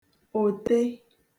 òte